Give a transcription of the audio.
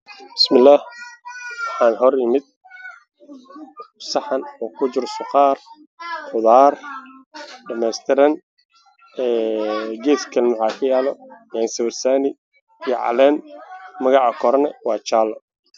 Waa saxan cadaan waxaa ku jirta qoraal hilib basaal banbanooni